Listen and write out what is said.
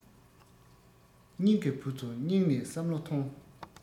སྙིང གི བུ ཚོ སྙིང ནས བསམ བློ མཐོང